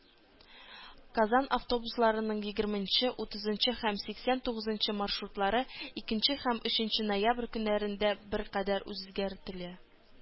Казан автобусларының егерменче, утызынчы һәм сиксән тугызынчы маршрутлары икенче һәм өченче ноябрь көннәрендә беркадәр үзгәртелә.